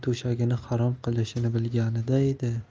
to'shagini harom qilishini bilganida edi